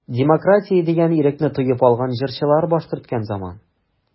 Демократия дигән ирекне тоеп алган җырчылар баш төрткән заман.